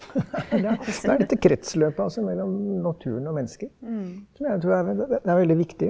ja det er dette kretsløpet altså mellom naturen og mennesket som jeg tror er det er veldig viktig.